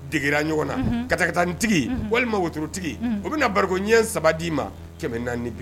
Degeigira ɲɔgɔn na ka ka ni tigi walima wottigi o bɛna na ba ɲɛ saba d'i ma kɛmɛ naani bi